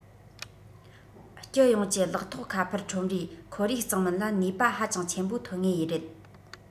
སྤྱི ཡོངས ཀྱི ལག ཐོགས ཁ པར ཁྲོམ རའི ཁོར ཡུག གཙང མིན ལ ནུས པ ཧ ཅང ཆེན པོ ཐོན ངེས རེད